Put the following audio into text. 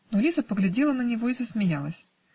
Но Лиза поглядела на него и засмеялась.